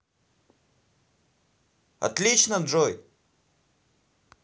отлично джой